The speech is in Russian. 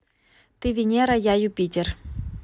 ты венера я юпитер